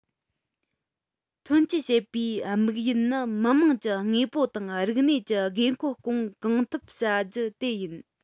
ཐོན སྐྱེད བྱེད པའི དམིགས ཡུལ ནི མི དམངས ཀྱི དངོས པོ དང རིག གནས ཀྱི དགོས མཁོ སྐོང གང ཐུབ བྱ རྒྱུ དེ ཡིན